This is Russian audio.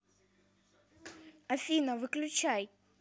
афина выключай